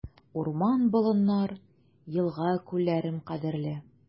Урман-болыннар, елга-күлләрем кадерле.